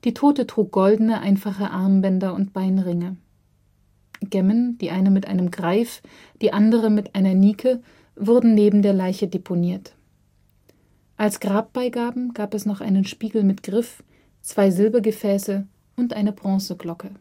Tote trug goldene, einfache Armbänder und Beinringe. Gemmen, die eine mit einem Greif, die andere mit einer Nike wurden neben der Leiche deponiert. Als Grabbeigabem gab es noch einen Spiegel mit Griff, zwei Silbergefäße und eine Bronzeglocke